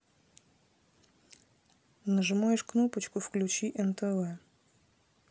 нажимаешь кнопочку включи нтв